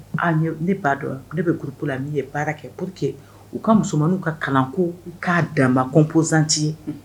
Ne ba dɔn ne bɛ g kurup la ni ye baara kɛ purke u ka musomanu ka kalanko u k'a dan kɔnpzsanti ye